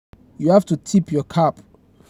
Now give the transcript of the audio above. You have to tip your cap.